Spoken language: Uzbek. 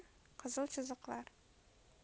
qizil chiziqlar